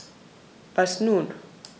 Was nun?